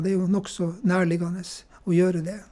Det er jo nokså nærliggende å gjøre det.